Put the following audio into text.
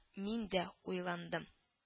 Мин дә уйландым